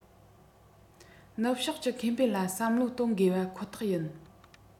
ནུབ ཕྱོགས ཀྱི ཁེ ཕན ལ བསམ བློ གཏོང དགོས པ ཁོ ཐག ཡིན